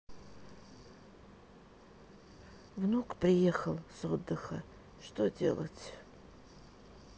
внук приехал с отдыха что делать